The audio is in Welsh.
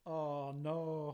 Oh no!